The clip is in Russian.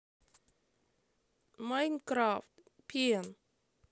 майнкрафт пен